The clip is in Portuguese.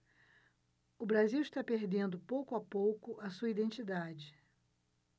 o brasil está perdendo pouco a pouco a sua identidade